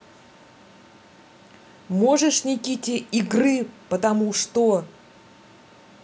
можешь никите игры потому что